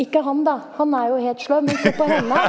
ikke han da han er jo helt sløv, men se på henne da.